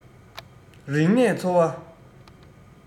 རིག གནས འཚོ བ